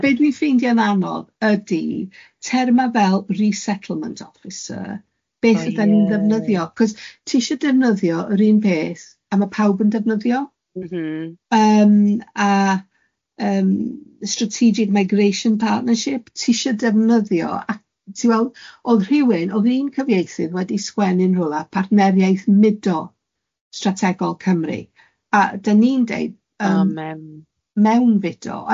A be dwi'n ffeindio'n anodd ydi terma fel resettlement officer... O ie. ...beth ydan ni'n ddefnyddio, achos tisho defnyddio yr un peth a ma' pawb yn defnyddio... M-hm. ...yym a yym strategic migration partnership tisie defnyddio ac- ti'n weld, oedd rhywun oedd un cyfieithydd wedi sgwennu'n rhywle partneriaeth mudo strategol Cymru, a dan ni'n dweud... Yym. ...mewnfudo.